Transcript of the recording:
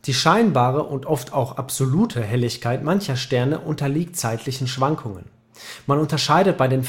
scheinbare und oft auch die absolute Helligkeit mancher Sterne unterliegt zeitlichen Schwankungen. Man unterscheidet folgende drei